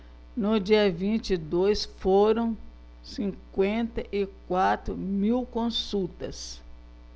no dia vinte e dois foram cinquenta e quatro mil consultas